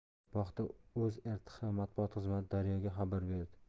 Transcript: bu haqda o'zrtxb matbuot xizmati daryo ga xabar berdi